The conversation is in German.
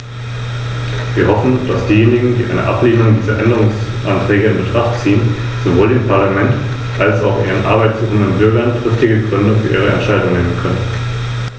Die Armut in Wales nimmt weiter zu, wobei sie seit 1997 besonders stark ansteigt.